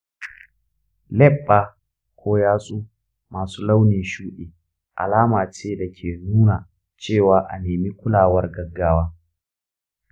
leɓɓa ko yatsu masu launin shuɗi alama ce da ke nuna cewa a nemi kulawar gaggawa.